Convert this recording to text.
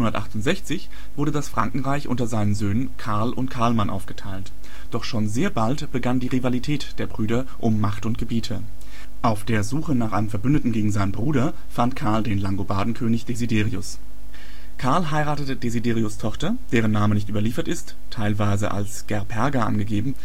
768 wurde das Frankenreich unter seinen Söhnen Karl und Karlmann aufgeteilt. Doch schon sehr bald begann die Rivalität der Brüder um Macht und Gebiete. Auf der Suche nach einem Verbündeten gegen seinen Bruder fand Karl den Langobardenkönig Desiderius. Karl heiratete Desiderius’ Tochter, deren Name nicht überliefert ist (teilweise als Gerperga angegeben